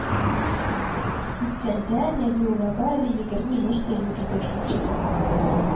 Киткәндә, нәбиуллага әле егерме яшь тә юк иде, шул чыгып